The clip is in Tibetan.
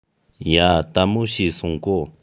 ཡ དལ མོ བྱོས སོང གོ